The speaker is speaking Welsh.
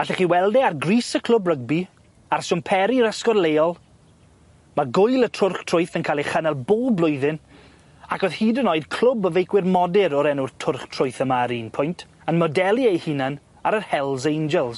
Allech chi weld e ar grys y clwb rygbi, ar siwmperi'r ysgol leol, ma' gŵyl y twrch trwyth yn ca'l ei chynnal bob blwyddyn ac o'dd hyd yn oed clwb o feicwyr modur o'r enw'r twrch trwyth yma ar un pwynt, yn modelu ei hunan ar yr Hell's Angels.